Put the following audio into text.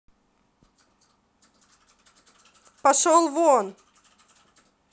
пошел вон